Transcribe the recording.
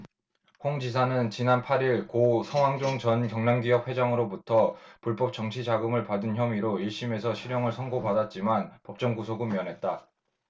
홍 지사는 지난 팔 일 고 성완종 전 경남기업 회장으로부터 불법 정치자금을 받은 혐의로 일 심에서 실형을 선고받았지만 법정 구속은 면했다